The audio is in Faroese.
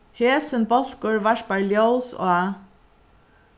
hesin bólkur varpar ljós á